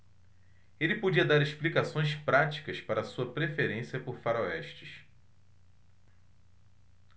ele podia dar explicações práticas para sua preferência por faroestes